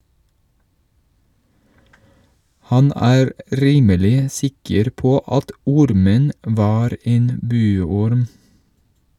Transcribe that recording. Han er rimelig sikker på at ormen var en buorm.